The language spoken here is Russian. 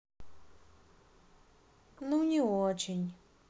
ну не очень